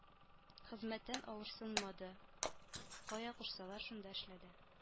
Хезмәттән авырсынмады кая кушсалар шунда эшләде